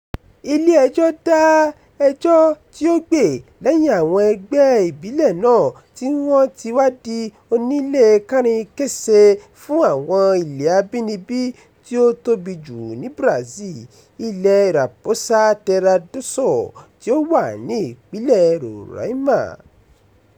Ilé ẹjọ́ dá ẹjọ́ tí ó gbè lẹ́yìn àwọn ẹgbẹ́ ìbílẹ̀ náà tí wọ́n ti wá di òǹnilẹ̀ kánrin-kése fún àwọn ilẹ̀ abínibí tí ó tóbi jù ní Brazil — ilẹ̀ẹ Raposa Terra do Sol, tí ó wà ní ìpínlẹ̀ Roraima.